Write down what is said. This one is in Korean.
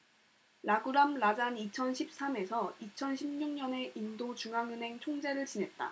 라구람 라잔 이천 십 삼 에서 이천 십 육 년에 인도 중앙은행 총재를 지냈다